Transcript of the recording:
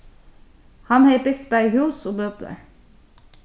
hann hevði bygt bæði hús og møblar